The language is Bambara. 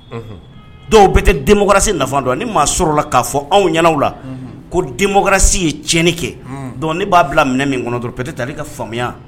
Dɔw bɛɛ tɛ den se nafa dɔn ni maa sɔrɔ la k'a fɔ anw ɲɛna la ko densi ye tiɲɛn kɛ b'a bila minɛ min kɔnɔ dɔrɔn taa' ka faamuya